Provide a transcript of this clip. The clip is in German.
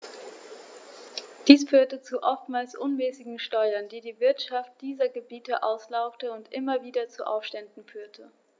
Dies führte zu oftmals unmäßigen Steuern, die die Wirtschaft dieser Gebiete auslaugte und immer wieder zu Aufständen führte.